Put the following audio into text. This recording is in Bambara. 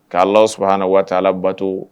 K'alaw saba na waati la bato